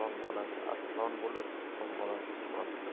arslon bolasi arslon bo'lur sichqon bolasi sichqon